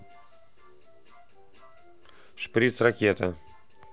шприц ракета